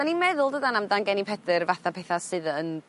'Dan ni'n meddwl dydan amdan gennin Pedyr fatha petha sydd yn